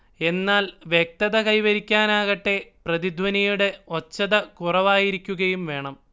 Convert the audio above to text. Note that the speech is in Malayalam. എന്നാൽ വ്യക്തത കൈവരിക്കാനാകട്ടെ പ്രതിധ്വനിയുടെ ഉച്ചത കുറവായിരിക്കുകയും വേണം